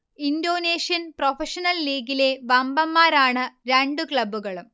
Indonesian professional ലീഗിലെ വമ്പന്മാരാണ് രണ്ട് ക്ലബുകളും